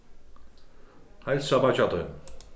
heilsa beiggja tínum